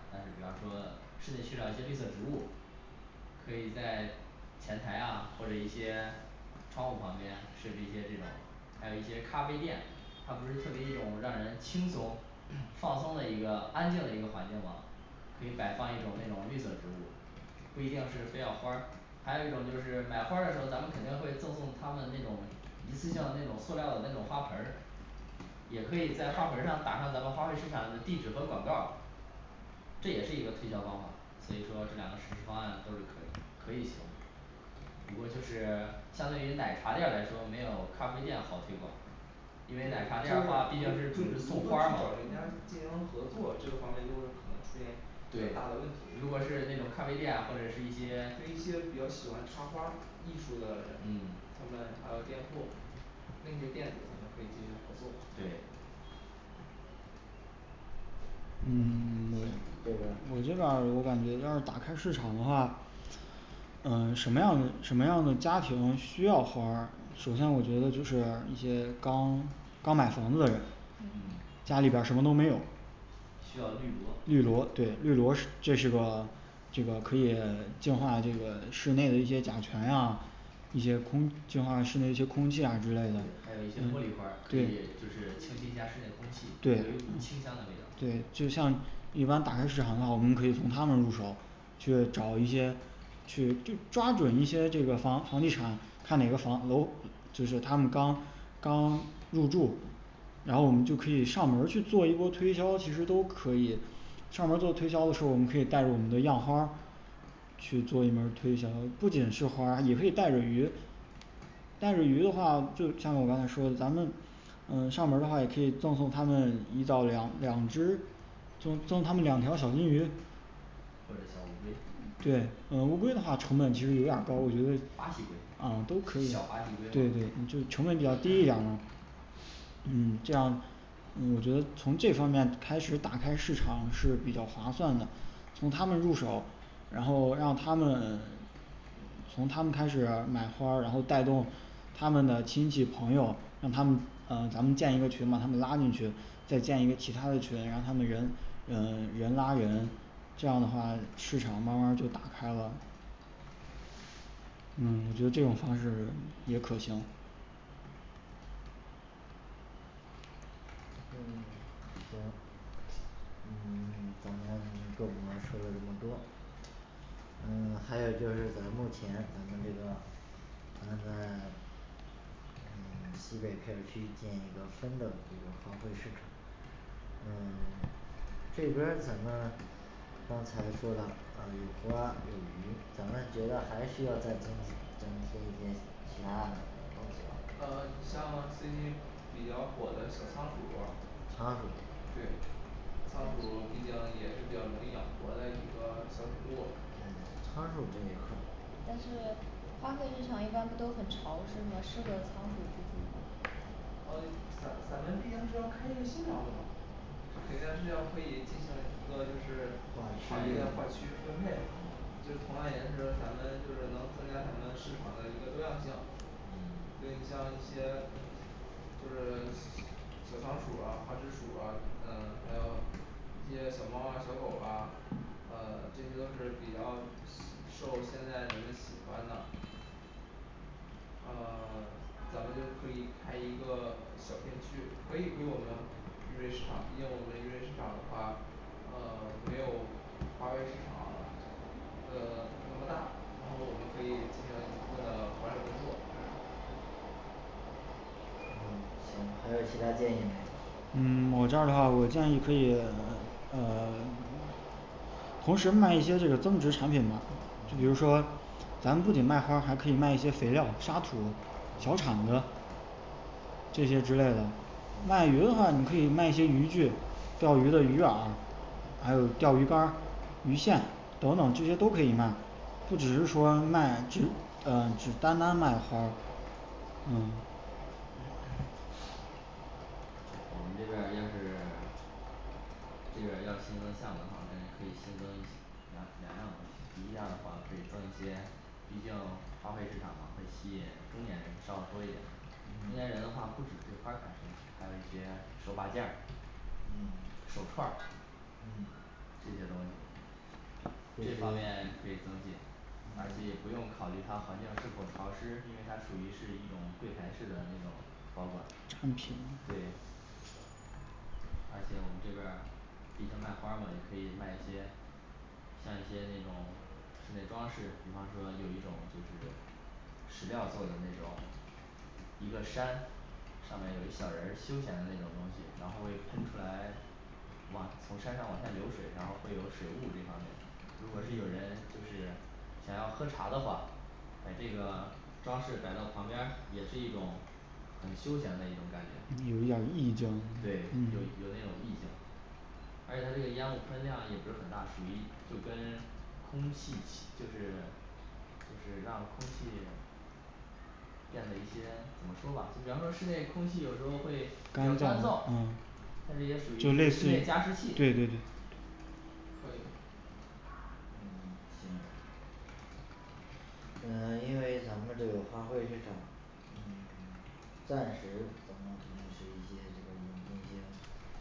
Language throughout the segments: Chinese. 但是比方说室内缺少一些绿色植物可以在前台啊，或者一些窗户旁边设计一些这种，还有一些咖啡店它不是特别一种让人轻松& &放松的一个安静的一个环境嘛可以摆放一种这种绿色植物不一定是非要花儿，还有一种就是买花儿的时候儿，咱们肯定会赠送他们那种一次性的那种塑料儿的那种花盆儿也可以在花盆儿上打上咱们花卉市场的地址和广告儿这也是一个推销方法，所以说这两个实施方案都是可可以行不过就是 相对于奶茶店儿来说，没有咖啡店好推广因为奶茶店儿的话毕竟是组织送找花儿嘛人家进行合作这个方面就会可能出现对大的问题，如，果是那种咖啡店啊或者是一些对一些比较喜欢插花儿艺术的人，嗯他们那还有店铺那些店主咱们可以进行合作对嗯 这样，这边儿鱼这边儿我感觉要是打开市场的话嗯什么样什么样的家庭需要花儿首先我觉得就是一些刚刚买房子的人，嗯家里边儿什么都没有需要绿萝绿萝对绿萝是这个这个可以净化这个室内的一些甲醛呀一些空净化室那些空气啊对之类的还有一些茉莉花儿可以就是清新一下室内空气有对一股清香的味道对就像一般打开市场的话我们可以从它们入手去找一些去抓准一些这个房房地产，看哪个房楼，就是他们刚刚入住，然后我们就可以上门儿去做一波推销其实都可以上门儿做推销的时候我们可以带着我们的样花儿去做一个推销，不仅是花儿也可以带着鱼，带着鱼的话就像我刚才说的，咱们嗯 上门的话也可以赠送他们一到两两只赠送他们两条小金鱼或者小乌龟对乌龟的话成本其实有点儿高，我觉得巴西龟啊都可以小巴西龟成本比较低一点儿的嗯这样我觉得从这方面开始打开市场是比较划算的从他们入手，然后让他们从他们开始买花儿，然后带动他们的亲戚朋友，让他们呃咱们建一个群，把他们拉进去，再建一个其他的群，让他们人嗯人拉人，这样的话市场慢儿慢儿就打开了嗯我觉得这种方式也可行嗯 行嗯 咱们各部门儿说了这么多嗯 还有就是咱目前咱们这个咱们 嗯 西北片儿区建一个分的花卉市场嗯 这边儿咱们刚才说的有花儿有鱼咱们觉得还需要再进一些其他呃你像最近比较火的小仓仓鼠鼠对仓鼠毕竟也是比较容易养活的一个小宠物仓鼠这一块儿但是花卉市场一般不都很潮湿吗适合仓鼠嗯咱咱们毕竟是要开一个新场的肯定是要可以进行一个就是场地的划区域分配是同样也是咱们就是能增加咱们市场的一个多样性所嗯以像一些就是小仓鼠儿啊花枝鼠儿啊还有一些小猫儿啊小狗儿啊呃这些都是比较受现在人喜欢的。呃 咱们就可以开一个小片区可以归我们鱼类市场，毕竟我们鱼类市场的话呃没有花卉市场那那么大，然后我们可以进行一部分的管理工作嗯行还有其他建议没嗯 我这儿的话我建议可以呃 同时卖一些这个增值产品吧比如说咱们不仅卖花儿还可以卖一些肥料，沙土小铲子这些之类的，卖鱼的话你可以卖些鱼具钓鱼的鱼饵，还有钓鱼竿儿鱼线等等这些都可以卖。不只是说卖嗯单单卖或者嗯 我们这边儿要是这边儿要新增项目的话，我感觉可以新增一些 两两样东西，第一样的话可以增一些毕竟花卉市场嘛会吸引中年人稍微多一点中年人的话不止对花儿感兴趣还有一些手挂件儿手串儿嗯这些东西这方面可以增进，而且也不用考虑它环境是否潮湿，因为它属于是一种柜台式的那种保管。对而且我们这边儿毕竟卖花儿嘛也可以卖一些像一些那种室内装饰，比方说有一种就是石料做的那种一个山上面有一小人儿休闲的那种东西然后会喷出来往从山上往下流水，然后会有水雾这方面，如果是有人就是想要喝茶的话，把这个装饰摆到旁边儿，也是一种很休闲的一种感觉有点儿意境对有有那种意境而且它这个烟雾喷量也不是很大，属于就跟空气起就是就是让空气这样的一些怎么说吧，就原本室内空气有时候会比较干燥嗯，它这也属就于室是内加湿器对对对嗯行嗯因为咱们这个花卉市场嗯暂时咱们肯定是一些一些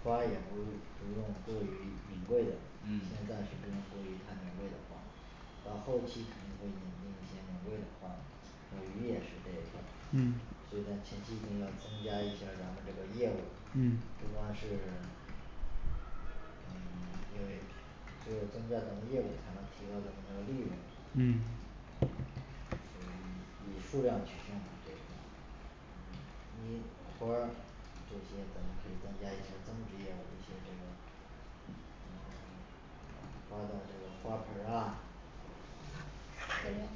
花也不会不用过于名贵的，嗯现在是不能过于太名贵的花，到后期可能会引进一些名贵的花儿呃 鱼也是这一块儿嗯这边儿前期肯定要增加一下儿，咱们这个业务嗯不光是嗯 因为只有增加咱们业务才能提高咱们的利嗯润只有以数量取胜因为花儿这些咱们可以增加一些增值业务你像这个花的这个花盆儿啊嗯，花饲料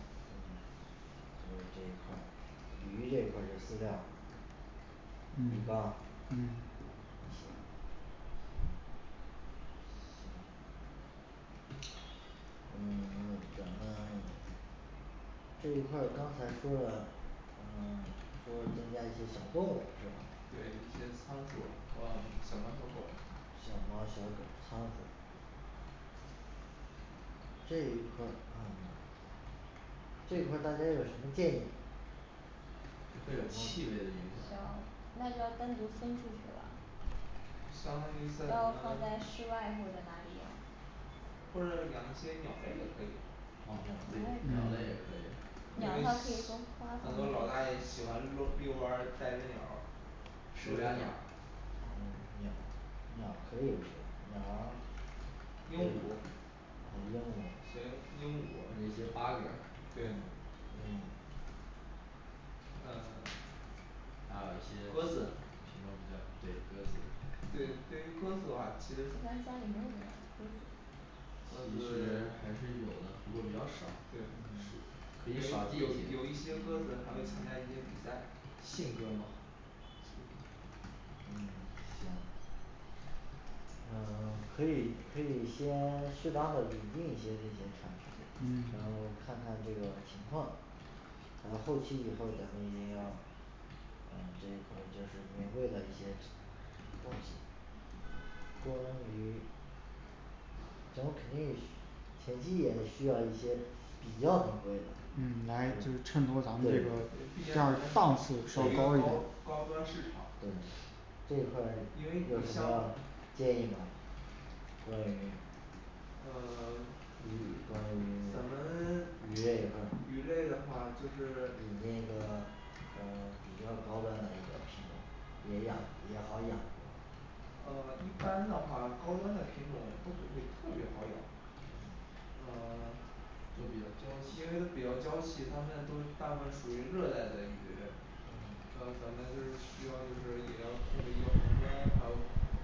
的这一块儿鱼这一块儿是饲料鱼缸嗯嗯行嗯 咱们这一块儿刚才说了，嗯 多增加一些小动物是吧？对一些仓鼠儿和小猫儿小狗儿小猫儿小狗儿仓鼠这一块儿的话呢这一块儿大家有什么建议会有气味的影响有那就要单独分出去了相当于是要放在暂室时外或者哪里养或者养一些鸟类也可以啊嗯可以可鸟以类也可以因鸟为那儿可以送花很多老吗大爷喜欢路遛遛弯儿，带着鸟儿嗯鸟鸟可以有鸟 鹦鹉或者一些八哥儿嗯鹦鹉嗯 还有一鸽些子品品种比较对鸽子对对于鸽子的话一其实般家里没有人养鸽子其实还是有的，不过比较少可对以是少进有有有一一些些鸽子还会参加一些比赛信鸽儿嘛对嗯行嗯可以可以先适当的引进一些这些产品，然后嗯看看这个情况那么后期以后咱们一定要嗯这个就是引入的一些品产品关于从明日起前期也需要一些比较很贵的对来衬托咱们的毕竟咱们的档次是高高端市场这一块儿因为有你什像么建议吗关于呃 咱们 鱼类的话，就是引进个呃比较高端的一个品种，也养也好养活呃一般的话高端的品种都不会特别好养呃都比较娇 因为气都比较娇气，它们都大部分属于热带的鱼类呃咱们嗯就是需要就是也要控制一个恒温，还有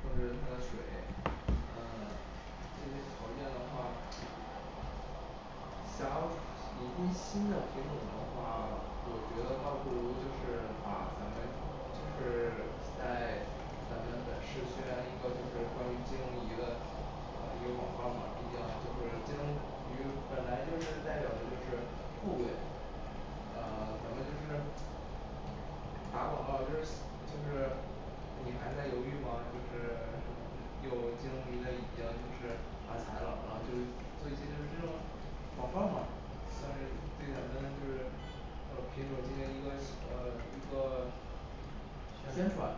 控制它的水呃 这些条件的话想要引进新的品种的话，我觉得倒不如就是把咱们就是在咱们本市宣传一个就是关于金龙鱼的呃一个广告吧毕竟就是金龙鱼，本来就是代表的就是富贵呃咱们就是打广告儿就是就是，你还在犹豫吗？就是有金龙鱼的已经就是发财了，然后就是这种广告儿嘛算是对咱们就是呃品种进行一个呃一个宣传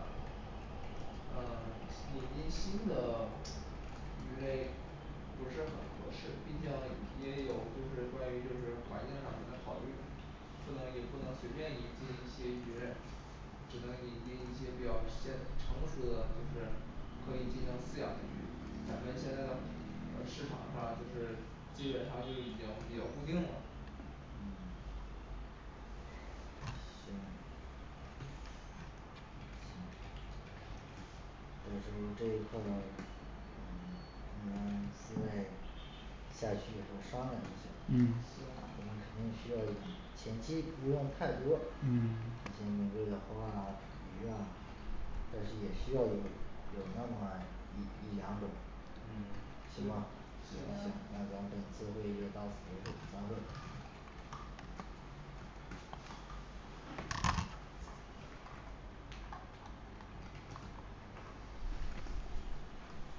呃引进新的鱼类不是很合适，毕竟也有就是关于就是环境上面的考虑，不能也不能随便引进一些鱼类只能引进一些比较偏成熟的就是可以进行饲养的鱼，咱们现在的呃市场上就是基本上就是已经比较固定了嗯嗯嗯到时候儿这一块儿嗯应该会再去都商量一嗯下咱行们肯定需要有前期不用太多，嗯一些名贵的花儿啊鱼啊但是也需要有有那么一一两种嗯行对吧行行行那咱们本次会议就到此结束，散会